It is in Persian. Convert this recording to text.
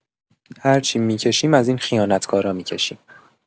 هرچی می‌کشیم از این خیانتکارا می‌کشیم!